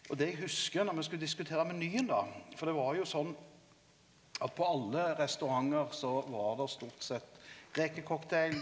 og det eg huskar når me skulle diskutera menyen då for det var jo sånn at på alle restaurantar så var der stort sett rekecocktail.